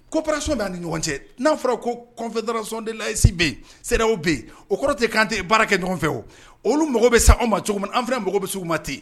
Koraso min ni ɲɔgɔn cɛ n'a fɔra kodarasɔn delayisi bɛ sew bɛ yen o kɔrɔ ten kantɛ baara kɛ ɲɔgɔn fɛ o olu mago bɛ sa ma cogo min an fana mako bɛ se u ma ten